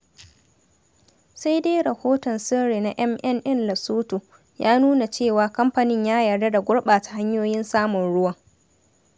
Sai dai rahoton sirri na MNN Lesotho ya nuna cewa, kamfanin ya yarda da gurɓata hanyoyin samun ruwan.